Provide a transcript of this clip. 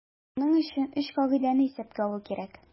Моның өчен өч кагыйдәне исәпкә алу кирәк.